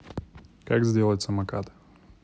как сделать самокат